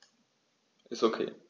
Ist OK.